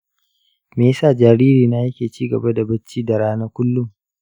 me ya sa jaririna yake ci gaba da bacci da rana kullum?